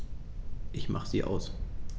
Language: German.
Ich mache sie aus.